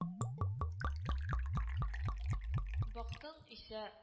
Бактың исә